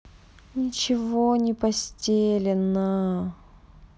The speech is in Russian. ничего не постелено